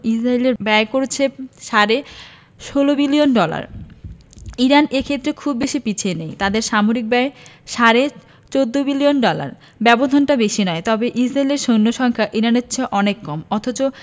Israel ব্যয় করেছে সাড়ে ১৬ বিলিয়ন ডলার ইরানও এ ক্ষেত্রে খুব বেশি পিছিয়ে নেই তাদের সামরিক ব্যয় সাড়ে ১৪ বিলিয়ন ডলার ব্যবধানটা বেশি নয় তবে ইসরায়েলের সৈন্য সংখ্যা ইরানের চেয়ে অনেক কম অথচ